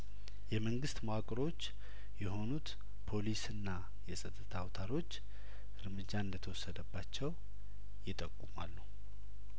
የመንግስት መዋቅሮች የሆኑት ፖሊስና የጸጥታ አውታሮች እርምጃ እንደተወሰደባቸው ይጠቁማሉ